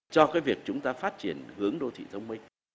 cho cái việc chúng ta phát triển hướng đô thị thông minh